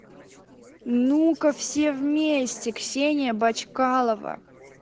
ну ка все вместе ксения бочкалова